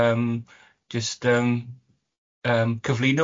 Yym jyst yym yym cyflwyno ei hunan?